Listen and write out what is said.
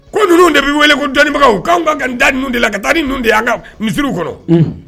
Ko ninnu de bɛ wele ko dɔnnibaga ka kan ka taa ninnu de la ka taa ni de kan misiw kɔnɔ